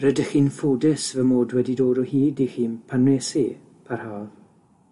Rydych chi'n ffodus fy mod wedi dod o hyd i chi'n pan wnes i parhaodd.